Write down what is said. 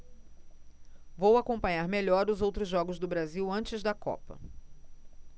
vou acompanhar melhor os outros jogos do brasil antes da copa